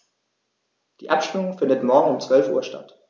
Die Abstimmung findet morgen um 12.00 Uhr statt.